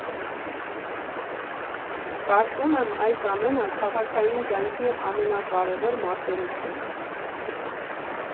Կարծում եմ՝ այս ամենը քաղաքային կյանքի ամենակարևոր մասերից է։